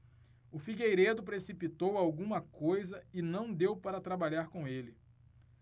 o figueiredo precipitou alguma coisa e não deu para trabalhar com ele